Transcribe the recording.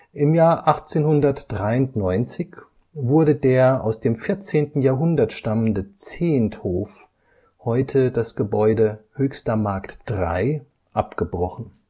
Im Jahr 1893 wurde der aus dem 14. Jahrhundert stammende Zehnthof, heute das Gebäude Höchster Markt 3, abgebrochen